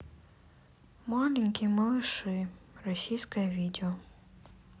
маленькие малыши российское видео